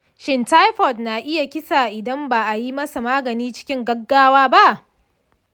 shin taifoid na iya kisa idan ba a yi masa magani cikin gaggawa ba?